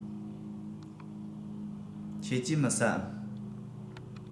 ཁྱེད ཀྱིས མི ཟ འམ